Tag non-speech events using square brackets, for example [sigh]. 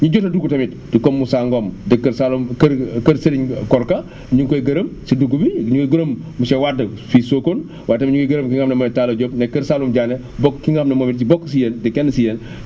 ñi jot a dugg tamit comme Moussa Ngom dëkk kër Saalum kër kër Serigne Korka ñu ngi koy gërëm si dugg bi ñu ngi gërëm monsieur Wade fii Sokone waaye tamit ñu ngi gërëm ki nga xam ne mooy Talla Diop nekk kër Saalum Diané bokk ki nga xam ne moo it bokk si yéen di kenn si yéen [inhales]